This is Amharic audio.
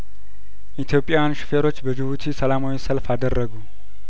ኢትዮጵያውያን ሹፌሮች በጅቡቲ ሰላማዊ ሰልፍ አደረጉ